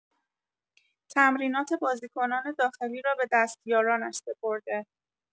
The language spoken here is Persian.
تمرینات بازیکنان داخلی را به دستیارانش سپرده